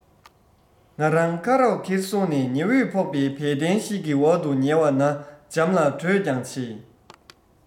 ང རང ཁ རོག གེར སོང ནས ཉི འོད ཕོག པའི བལ གདན ཞིག གི ཐོག ཏུ ཉལ བ ན འཇམ ལ དྲོད ཀྱང ཆེ